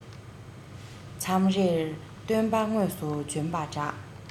མཚམས རེར སྟོན པ དངོས སུ བྱོན པ འདྲ